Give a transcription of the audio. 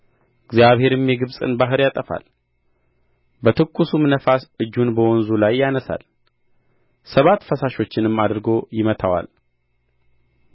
እግዚአብሔርም የግብጽን ባሕር ያጠፋል በትኩሱም ነፋስ እጁን በወንዙ ላይ ያነሣል ሰባት ፈሳሾችንም አድርጎ ይመታዋል